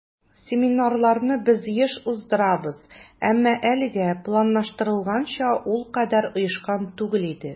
Семинарларны без еш уздырабыз, әмма әлегә планлаштырылганча ул кадәр оешкан түгел иде.